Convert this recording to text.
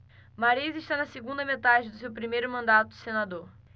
mariz está na segunda metade do seu primeiro mandato de senador